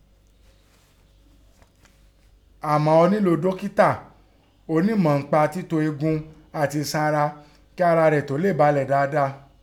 Àmọ́ ọ́ nílò dókítà ọnímọ̀ ńpa títo eegun àti iṣan kí ara rẹ̀ tó lè balẹ̀ dáadáa.